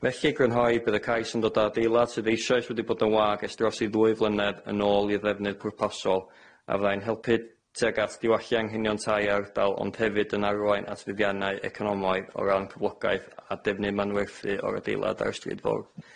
Felly i grynhoi bydd y cais yn dod a adeilad sydd eisoes wedi bod yn wag ers dros i ddwy flynedd yn ôl i'r ddefnydd pwrpasol a fyddai'n helpu tuag at diwallu anghenion tai ardal ond hefyd yn arwain at fuddiannau economaidd o ran cyflogaeth a defnydd manwerthu o'r adeilad ar y stryd fowr.